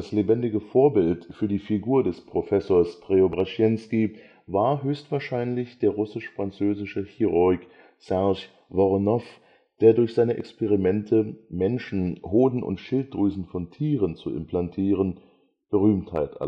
lebendige Vorbild für die Figur des Professors Preobrashenski war höchstwahrscheinlich der russisch-französische Chirurg Serge Voronoff, der durch seine Experimente, Menschen Hoden und Schilddrüsen von Tieren zu implantieren, Berühmtheit erlangte